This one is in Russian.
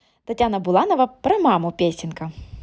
татьяна буланова про маму песенка